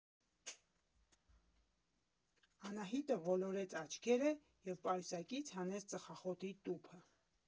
Անահիտը ոլորեց աչքերը և պայուսակից հանեց ծխախոտի տուփը։